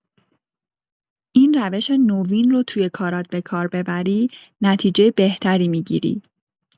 این روش نوین رو توی کارات به‌کار ببری، نتیجه بهتری می‌گیری.